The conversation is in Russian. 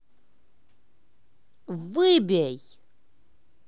выбей